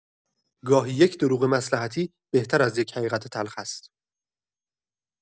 گاهی یک دروغ مصلحتی بهتر از یک حقیقت تلخ است.